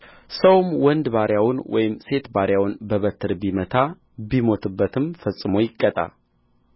ሰውም ወንድ ባሪያውን ወይም ሴት ባሪያውን በበትር ቢመታ ቢሞትበትም ፈጽሞ ይቀጣ